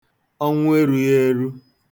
ọnwụ erūghị̄ ērū